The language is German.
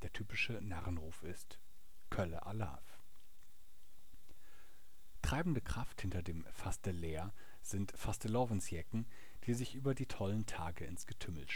typische Narrenruf ist „ Kölle Alaaf! “Treibende Kraft hinter dem Fasteleer sind Fastelovendsjecken, die sich über die tollen Tage ins Getümmel